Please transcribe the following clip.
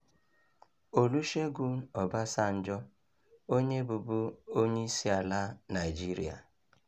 Olusegun Obasanjo, onye bụbu Onyeisiala Naịjirịa.